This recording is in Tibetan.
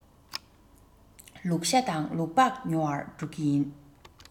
ལུག ཤ དང ལུག ལྤགས ཉོ བར འགྲོ གི ཡིན